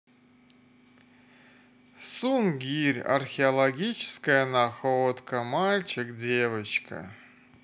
сунгирь археологическая находка мальчик девочка